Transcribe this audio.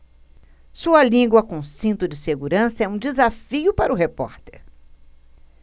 sua língua com cinto de segurança é um desafio para o repórter